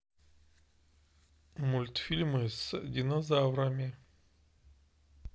мультфильмы с динозаврами